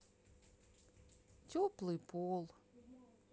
теплый пол